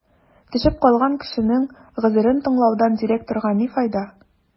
Төшеп калган кешенең гозерен тыңлаудан директорга ни файда?